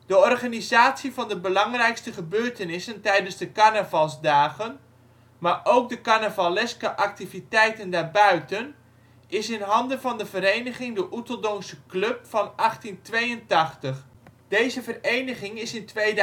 organisatie van de belangrijkste gebeurtenissen tijdens de carnavalsdagen, maar ook de carnavaleske activiteiten daarbuiten, is in handen van de ' Vereniging De Oeteldonksche Club van 1882 '. Deze vereniging is in 2006